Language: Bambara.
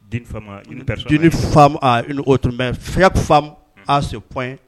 Den tun bɛ fɛn fa a se kɔn